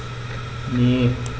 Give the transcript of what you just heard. Ne.